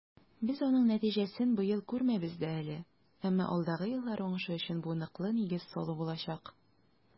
Без аның нәтиҗәсен быел күрмәбез дә әле, әмма алдагы еллар уңышы өчен бу ныклы нигез салу булачак.